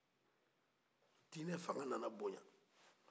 dinɛ fanga nana boɲa